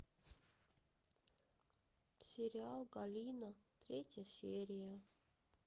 сериал галина третья серия